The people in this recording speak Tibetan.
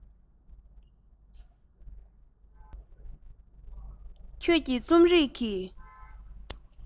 ཁྱོད ཀྱིས རྩོམ རིག གི